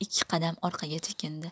ikki qadam orqaga chekindi